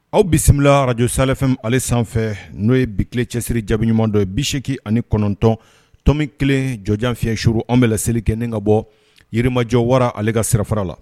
Aw bisimilasi araraj safɛn ale sanfɛ n'o ye bile cɛsiri jaabiɲuman don bi8eki ani kɔnɔntɔntɔnmin kelen jɔjan fi shur an bɛ laseli kɛ ni ka bɔ yirimajɔ wara ale ka sirafara la